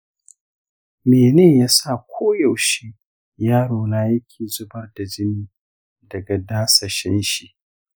mene yasa koyaushe yaro na yake zubar da jini daga dasashin shi?